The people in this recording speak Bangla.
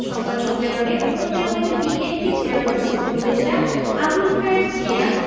সংবাদ সম্মেলনে অন্যদের মধ্যে বিএনপি চেয়ারপারসনের উপদেষ্টা আবুল খায়ের ভূইয়া